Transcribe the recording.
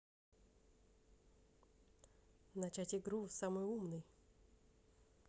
начать игру самый умный